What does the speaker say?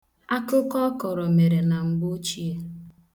Akụkọ ọ kọrọ mere na mgbochie.